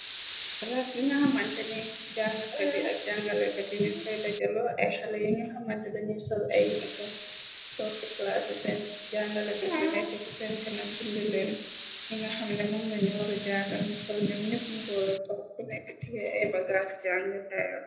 Galaas bi nga xamante ni jàngalka ci ak jàngalekat yiñuy fay dajaloo ay xale yi nga xamante dañuy sol ay yinakoom took ci claas bi seen jàngalekat anekka ci seen kanam bindleen yi nga xamne moom lañu wara janga ñi sol ñoom ñeppna róole took ku nekk tiyee ay bagaas i jàngle kayoon.